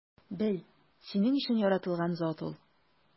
Бел: синең өчен яратылган зат ул!